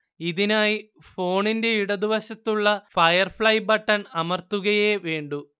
ഇതിനായി ഫോണിന്റെ ഇടതുവശത്തുള്ള ഫയർഫ്ളൈ ബട്ടൺ അമർത്തുകയേ വേണ്ടൂ